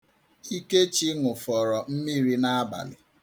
Ikechi nụfọrọ mmiri n'abalị.